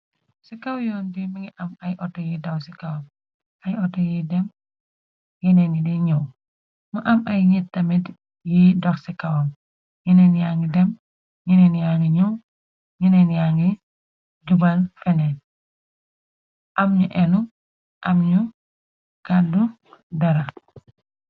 Ci kaw yoon bi mungi am ay auto yi daw ci kawam ay auto yiy dem yeneeni di ñëw mu am ay nit tamit yiy dox ci kawam ñyeneen yangi dem ñyneen yangi ñuw ñyeneen yangi jubal fenee am ñu enu am ñu kàddu dara.